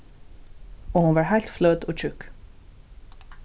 og hon var heilt fløt og tjúkk